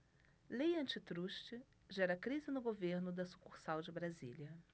lei antitruste gera crise no governo da sucursal de brasília